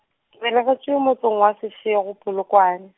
ke belegetšwe motseng wa Seshego Polokwane.